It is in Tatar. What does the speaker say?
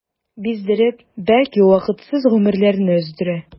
Биздереп, бәлки вакытсыз гомерләрне өздерә.